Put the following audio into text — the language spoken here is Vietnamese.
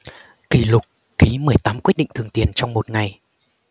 kỷ lục ký mười tám quyết định thưởng tiền trong một ngày